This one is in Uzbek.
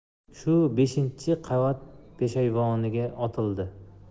shu beshinchi qavat peshayvoniga otildi